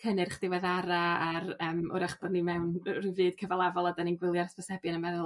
cynnyrch diweddara a'r yym 'w'rach bo' ni mewn rhyw fyd cyfalafol a 'dan ni'n gwylio hysbysebion a meddwl